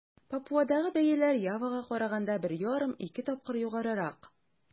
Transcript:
Папуадагы бәяләр Явага караганда 1,5-2 тапкыр югарырак.